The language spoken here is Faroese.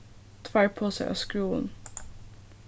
tveir posar av skrúvum